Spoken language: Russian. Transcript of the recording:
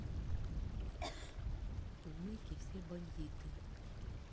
кулмыки все бандиты